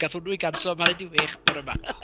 Gath hwnnw i ganslo am hanner di whech bore ma .